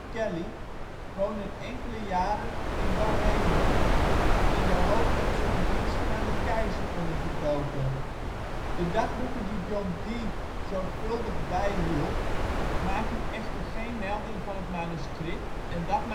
Kelley, woonden enkele jaren in Bohemen, in de hoop dat ze hun diensten aan de keizer konden verkopen. De dagboeken die John Dee zorgvuldig bijhield, maken echter geen melding van het manuscript en dat